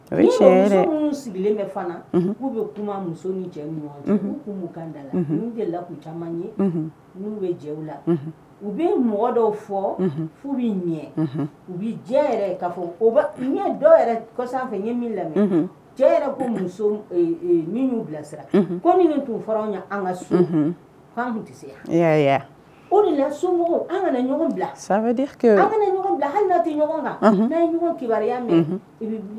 U bɛ mɔgɔ dɔw ɲɛ u bɛ jɛ ka fɔ ɲɛ kɔ fɛ ye min lamɛn ko min y'u bilasira ko min'u fɔra anw an ka sun tɛ se o de sun an kana ɲɔgɔn bila an bila hali' tɛ ɲɔgɔn kan n'a ye ɲɔgɔn kibaruya